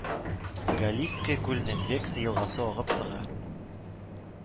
Галичское куленә Вексы елгасы агып сыга